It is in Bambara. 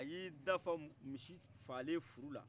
a ye i da fa misi fagalen furu la